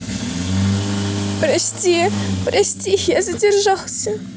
прости прости я задержался